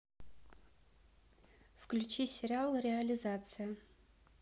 включи сериал реализация